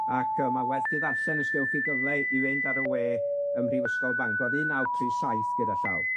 ac yy ma' werth 'i ddarllen os gewch chi gyfle i fynd ar y we ym Mhrifysgol Bangor un naw tri saith gyda llaw.